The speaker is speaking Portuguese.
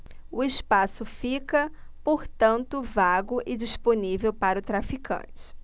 o espaço fica portanto vago e disponível para o traficante